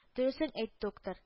Дөресен әйт, доктор